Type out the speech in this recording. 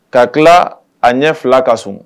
Ka kila a ɲɛ fila ka sun.